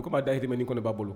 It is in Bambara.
O ko'a dahimɛ ni kɔni b' bolo